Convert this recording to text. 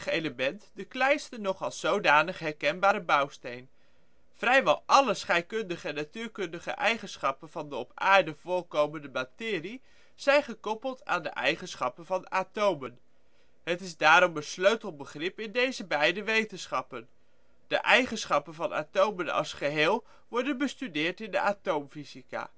element de kleinste nog als zodanig herkenbare bouwsteen. Vrijwel alle scheikundige en natuurkundige eigenschappen van de op aarde voorkomende materie zijn gekoppeld aan de eigenschappen van atomen. Het is daarom een sleutelbegrip in deze beide wetenschappen. De eigenschappen van atomen als geheel worden bestudeerd in de atoomfysica